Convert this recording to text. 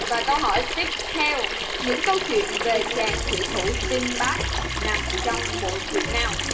và câu hỏi tiếp theo những câu chuyện về chàng thủy thủ sim bát nằm trong bộ truyện nào